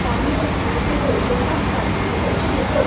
có những động thái thay đổi công tác quản lý tổ chức lễ hội